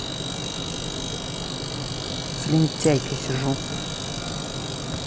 с лентяйкой сижу